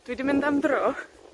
dwi 'di mynd am dro,